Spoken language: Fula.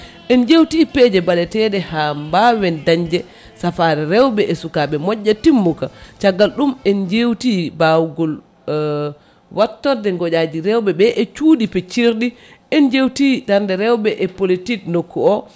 en jewti peeje baɗeteɗe ha bawen dañde safaro rewɓe e sukaɓe moƴƴa timmuka caggal ɗum en jewti mbawgol wattorde goƴaji rewɓeɓe e cuuɗi peccirɗi en jewti darde rewɓe e politique nokku o